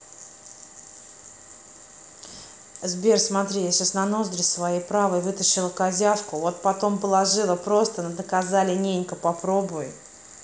сбер смотри я сейчас на ноздри своей правой вытащила козявку вот потом положила просто на доказали ненька попробуй